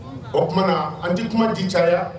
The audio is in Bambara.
O tumaumana na an tɛ kuma di caya